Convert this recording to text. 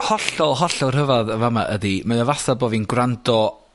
Hollol hollol rhyfadd yn fan 'ma ydi, mae o fatha bo' fi'n gwrando